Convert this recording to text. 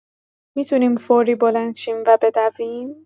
می‌تونیم فوری بلند شیم و بدویم؟